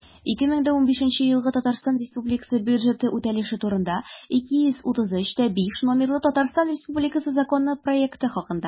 «2015 елгы татарстан республикасы бюджеты үтәлеше турында» 233-5 номерлы татарстан республикасы законы проекты хакында